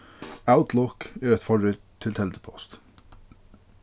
outlook er eitt forrit til teldupost